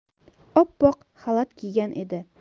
oppoq xalat kiygan edi